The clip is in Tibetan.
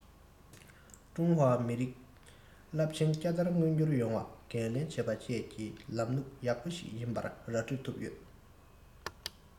ཀྲུང ཧྭ མི རིགས རླབས ཆེན བསྐྱར དར མངོན འགྱུར ཡོང བ འགན ལེན བྱེད པ བཅས ཀྱི ལམ ལུགས ཡག པོ ཞིག ཡིན པ ར སྤྲོད ཐུབ ཡོད